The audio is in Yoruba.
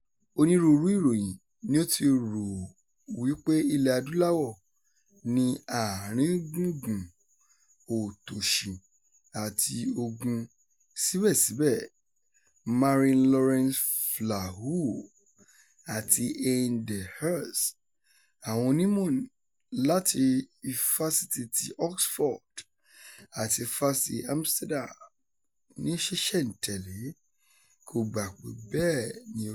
Onírúurú ìròyìn ni ó ti rò ó wípé Ilẹ̀-adúláwọ̀ ni àárín-ín gbùngùn òtòṣì àti ogun, síbẹ̀síbẹ̀, Marie-Laurence Flahaux àti Hein De Haas, àwọn onímọ̀ láti Ifásitì ti Oxford àti Ifásitì ti Amsterdam, ní ṣísẹ̀ntèlé, kò gbà pé bẹ́ẹ̀ ní ó rí.